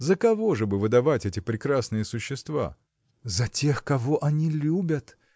– за кого же бы выдавать эти прекрасные существа? – За тех кого они любят